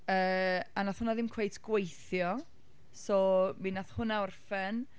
yy, a wnaeth hwnna ddim cweit gweithio, so mi wnaeth hwnna orffen.